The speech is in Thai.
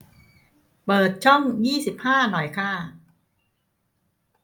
เปิดช่องยี่สิบห้าหน่อยคะ